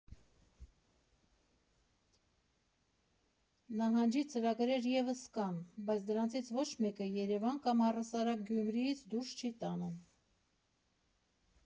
Նահանջի ծրագրեր ևս կան, բայց դրանցից ոչ մեկը Երևան կամ, առհասարակ, Գյումրիից դուրս չի տանում։